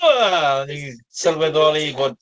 Yy! O'n i'n sylweddoli bod